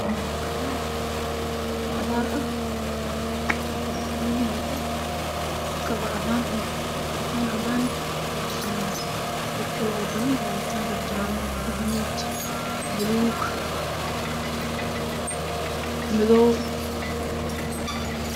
Meeshani waa garoon wax jooga wiil wata kabo iyo siksaan cadaan ah